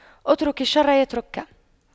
اترك الشر يتركك